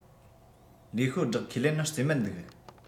ལས ཤོར སྒྲག ཁས ལེན ནི རྩིས མེད འདུག